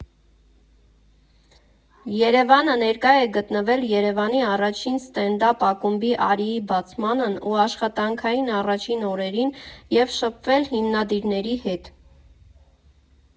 ԵՐԵՎԱՆը ներկա է գտնվել Երևանի առաջին ստենդափ ակումբի՝ «Արիի» բացմանն ու աշխատանքային առաջին օրերին և շփվել հիմնադիրների հետ։